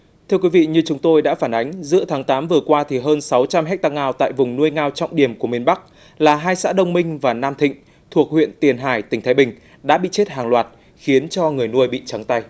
thưa quý vị như chúng tôi đã phản ánh giữa tháng tám vừa qua thì hơn sáu trăm héc ta ngao tại vùng nuôi ngao trọng điểm của miền bắc là hai xã đông minh và nam thịnh thuộc huyện tiền hải tỉnh thái bình đã bị chết hàng loạt khiến cho người nuôi bị trắng tay